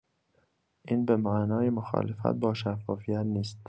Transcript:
این به معنای مخالفت با شفافیت نیست.